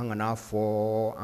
An kana'a fɔ